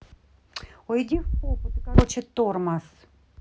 иди в попу ты короче тормоз